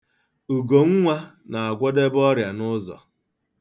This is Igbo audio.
Ugonwa na-agwọdebe ọrịa n'ụzọ.